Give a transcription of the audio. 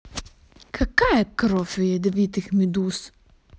какая кровь у ядовитых медуз